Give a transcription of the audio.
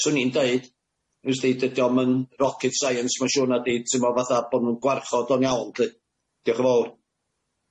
'swn i'n deud, wsdi dydi o'm yn rocket science ma'n siŵr nadi t'mo' fatha bo' nw'n gwarchod o'n iawn 'di? Diolch yn fowr.